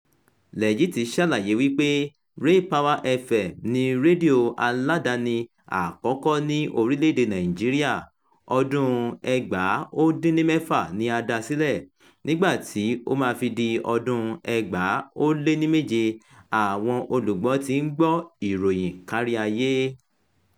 Legit ṣàlàyé wípé RayPower FM, ni rédíò aládàáni àkọ́kọ́ ní orílẹ̀-èdèe Nàìjíríà, ọdún-un 1994 ni a dá a sílẹ̀, nígbàtí ó mmáa fi di ọdún-un 2007, àwọn olùgbọ́ ti ń gbọ́ ìròyìn kárí ayé.